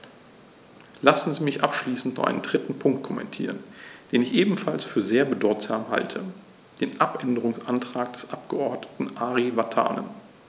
Lassen Sie mich abschließend noch einen dritten Punkt kommentieren, den ich ebenfalls für sehr bedeutsam halte: den Abänderungsantrag des Abgeordneten Ari Vatanen.